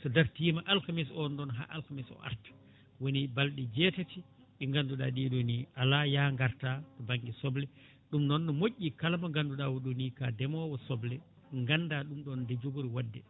so dartima alkamisa on ɗon ha alkamisa o arta woni balɗe jetati ɗi ganduɗa ɗeɗo ni ala yaa garta bangue soble ɗum noon ne moƴƴi kala mo ganduɗa oɗoni ka ndemowo soble ganda ɗum ɗon nde jogori wadde